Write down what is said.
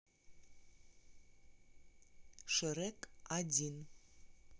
шрек один